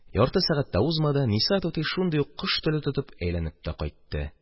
Ярты сәгать тә узмады, Ниса түти шундый ук «кош теле» тотып әйләнеп тә кайтты.